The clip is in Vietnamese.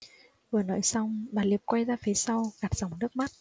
vừa nói xong bà liệp quay ra phía sau gạt dòng nước mắt